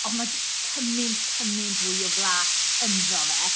Ond ma' jyst cymaint, cymaint fwy o flas ynddo fe.